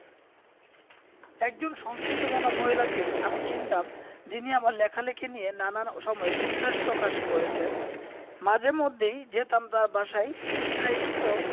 একজন সংস্কৃতি মনা মহিলাকে আমি চিনতাম যিনি আমার লেখালেখি নিয়ে নানান সময় উচ্ছাস প্রকাশ করছেন মাঝে মধ্যেই যেতাম তার বাসায় সাহিত্য